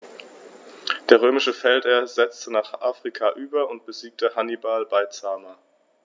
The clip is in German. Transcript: Der römische Feldherr setzte nach Afrika über und besiegte Hannibal bei Zama.